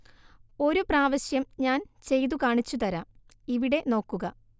ഒരു പ്രാവശ്യം ഞാന്‍ ചെയ്തു കാണിച്ചു തരാം ഇവിടെ നോക്കുക